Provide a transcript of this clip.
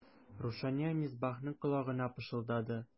Рушания Мисбахның колагына пышылдады.